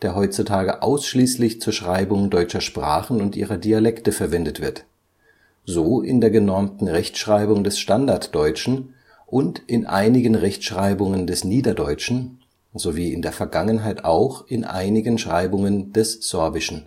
der heutzutage ausschließlich zur Schreibung deutscher Sprachen und ihrer Dialekte verwendet wird, so in der genormten Rechtschreibung des Standarddeutschen und in einigen Rechtschreibungen des Niederdeutschen sowie in der Vergangenheit auch in einigen Schreibungen des Sorbischen